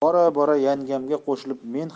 bora bora yangamga qo'shilib men